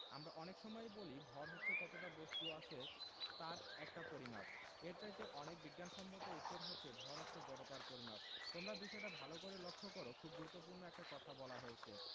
আমরা অনেক সময়েই বলি ভর হচ্ছে কতটা বস্তু আছে তার একটা পরিমাপ এর চাইতে অনেক বিজ্ঞানসম্মত উত্তর হচ্ছে ভর হচ্ছে জড়তার পরিমাপ তোমরা বিষয়টা ভালো করে লক্ষ করো খুব গুরুত্বপূর্ণ একটা কথা বলা হয়েছে